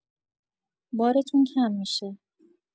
بارتون کم می‌شه.